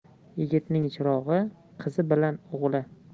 yigitning chirog'i qizi bilan o'g'li